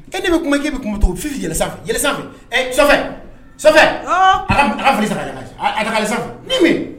Ko min bɛ kun k'i bɛ kun bɛ to fi yɛlɛ ala sara ni min